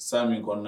San min kɔɔna